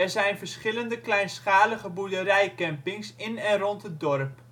zijn verschillende kleinschalige boerderijcampings in en rond het dorp